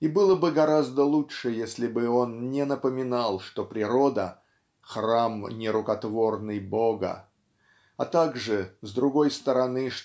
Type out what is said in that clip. и было бы гораздо лучше, если бы он не напоминал, что природа храм нерукотворный Бога а также с другой стороны